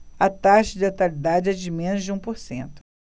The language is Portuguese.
a taxa de letalidade é de menos de um por cento